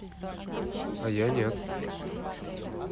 а я нет